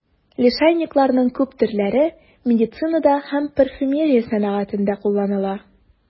Лишайникларның күп төрләре медицинада һәм парфюмерия сәнәгатендә кулланыла.